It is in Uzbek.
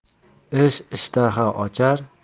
ish ishtaha ochar